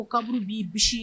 O kaburu b'i bisi